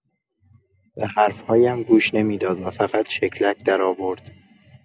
به حرف‌هایم گوش نمی‌داد و فقط شکلک درآورد.